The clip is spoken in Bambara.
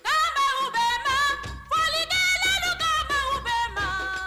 Faama bɛ ma fa tɛ kun bɛ ma